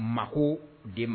Ma ko den ma